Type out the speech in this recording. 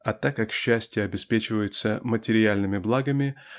а так как счастье обеспечивается материальными благами